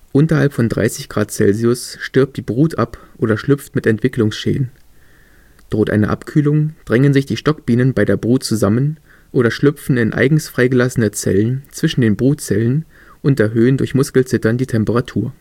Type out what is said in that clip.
Unterhalb von 30 °C stirbt die Brut ab oder schlüpft mit Entwicklungsschäden. Droht eine Abkühlung, drängen sich die Stockbienen bei der Brut zusammen oder schlüpfen in eigens freigelassene Zellen zwischen den Brutzellen und erhöhen durch Muskelzittern die Temperatur